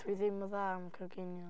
Dwi ddim yn dda am coginio.